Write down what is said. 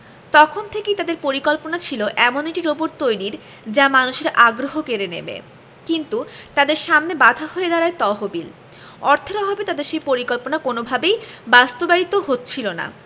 তখন থেকেই তাদের পরিকল্পনা ছিল এমন একটি রোবট তৈরির যা মানুষের আগ্রহ কেড়ে নেবে কিন্তু তাদের সামনে বাধা হয়ে দাঁড়ায় তহবিল অর্থের অভাবে তাদের সেই পরিকল্পনা কোনওভাবেই বাস্তবায়িত হচ্ছিল না